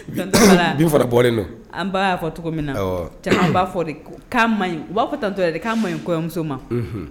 Len an'a fɔ cogo min na b'a fɔ b'a fɔtoɛrɛ de'a ma ɲi kɔɲɔmuso ma